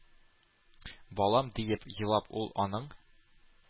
— балам! — диеп, елап, ул аның